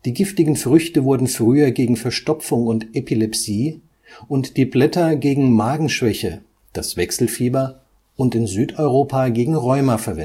giftigen Früchte wurden früher gegen Verstopfung und Epilepsie und die Blätter gegen Magenschwäche, das Wechselfieber und in Südeuropa gegen Rheuma